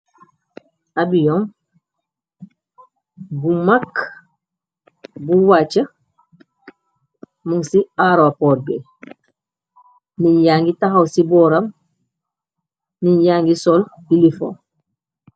Abion bu makk , bu wàcc mun ci aeromport bi. niñ ya ngi taxaw ci booram niñ ya ngi sol ilifom.